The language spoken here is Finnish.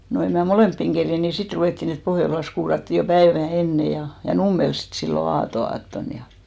no en minä molempiin kerinnyt niin sitten ruvettiin että Pohjolassa kuurattiin jo päivää ennen ja ja Nummella sitten silloin aatonaattona ja